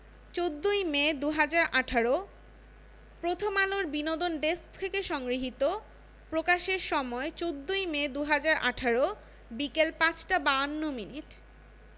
১৪ই মে ২০১৮ প্রথমআলোর বিনোদন ডেস্ক থেকে সংগ্রহীত প্রকাশের সময় ১৪ইমে ২০১৮ বিকেল ৫টা ৫২ মিনিট